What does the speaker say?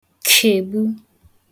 kìegbu